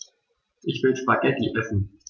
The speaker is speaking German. Ich will Spaghetti essen.